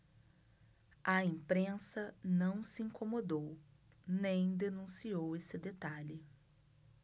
a imprensa não se incomodou nem denunciou esse detalhe